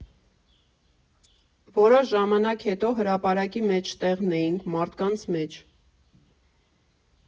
Որոշ ժամանակ հետո հրապարակի մեջտեղն էինք, մարդկանց մեջ։